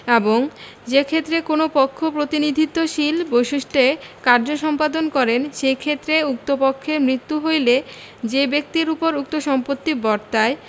এবং যেক্ষেত্রে কোন পক্ষ প্রতিনিধিত্বশীল বৈশিষ্ট্যে কার্য সম্পাদন করেন সেই ক্ষেত্রে উক্ত পক্ষের মৃত্যু হইলে যেই ব্যক্তির উপর উক্ত সম্পত্তি বর্তায়